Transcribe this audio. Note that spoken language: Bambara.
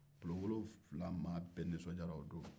bulon wolonfila maa bɛɛ nisɔndiyara o don